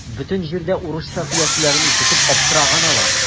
Бөтен җирдә урысча сөйләшүләрен ишетеп аптыраган алар.